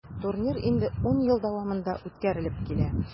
Турнир инде 10 ел дәвамында үткәрелеп килә.